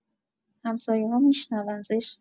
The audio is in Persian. همسایه‌ها می‌شنون زشته.